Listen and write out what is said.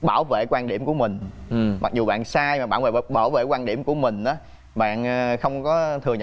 bảo vệ quan điểm của mình mặc dù bạn sai và bảo vệ bảo vệ quan điểm của mình á bạn không có thừa